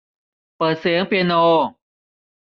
เปิดเสียงเปียโน